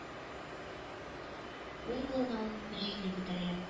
Уң кулына ул мәҗитне күтәргән